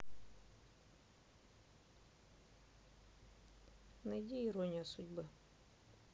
найди ирония судьбы